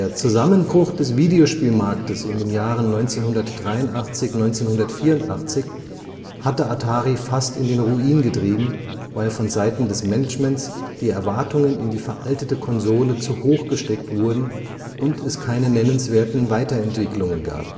Zusammenbruch des Videospielmarktes in den Jahren 1983 / 1984 hatte Atari fast in den Ruin getrieben, weil von Seiten des Managements die Erwartungen in die veraltete Konsole zu hoch gesteckt wurden und es keine nennenswerten Weiterentwicklungen gab